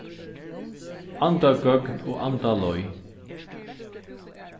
andagøgn og andaleið